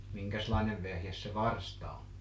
minkäslainen vehje se varsta on